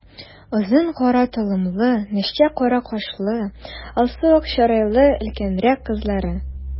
Озын кара толымлы, нечкә кара кашлы, алсу-ак чырайлы өлкәнрәк кызлары.